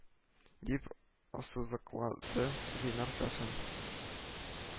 - дип ассызыклады ленар сафин